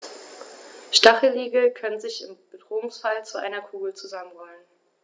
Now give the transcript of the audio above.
Stacheligel können sich im Bedrohungsfall zu einer Kugel zusammenrollen.